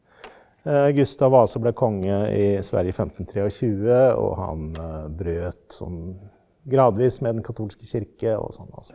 Gustav Vasa ble konge i Sverige i 1523 og han brøt sånn gradvis med den katolske kirke og altså.